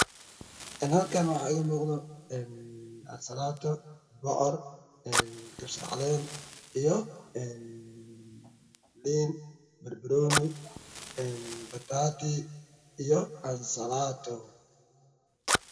Een halkan waxa iigamuqdo Ansalaato bocor kabsarcaleen iyo een liin barbaroni batata iyo Ansalaato